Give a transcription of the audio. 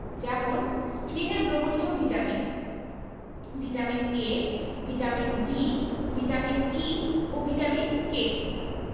যেমন স্নেহে দ্রবণীয় vitamin vitamin A vitamin D vitamin E ও ভিটামিন K